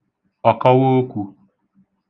ọ̀kọwookwū